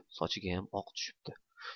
sochigayam oq tushibdi